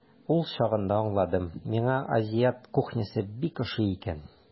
Ул чагында аңладым, миңа азиат кухнясы бик ошый икән.